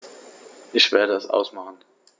Ich werde es ausmachen